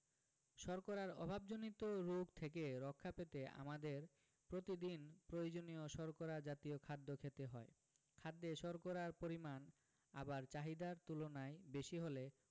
শর্করার অভাবজনিত রোগ থেকে রক্ষা পেতে আমাদের প্রতিদিন প্রয়োজনীয় শর্করা জাতীয় খাদ্য খেতে হয় খাদ্যে শর্করার পরিমাণ আবার চাহিদার তুলনায় বেশি হলে